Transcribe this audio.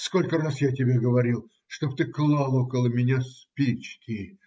Сколько раз я тебе говорил, чтобы ты клал около меня спички!